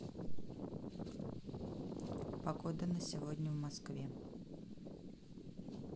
погода на сегодня в москве